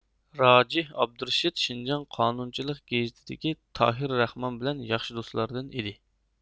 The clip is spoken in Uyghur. راجىھ ئابدۇرېشىت شىنجاڭ قانۇنچىلىق گېزىتىدىكى تاھىر راخمان بىلەن ياخشى دوستلاردىن ئىدى